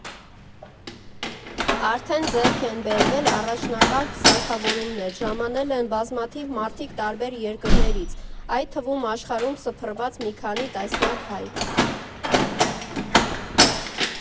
Արդեն ձեռք են բերվել առաջնակարգ սարքավորումներ, ժամանել են բազմաթիվ մարդիկ տարբեր երկրներից՝ այդ թվում աշխարհում սփռված մի քանի տասնյակ հայ.